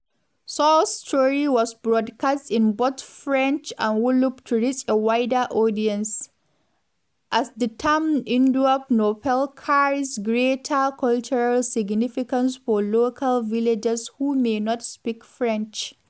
Sow's story was broadcast in both French and Wolof to reach a wider audience, as the term ndeup neupal carries greater cultural significance for local villagers who may not speak French.